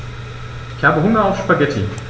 Ich habe Hunger auf Spaghetti.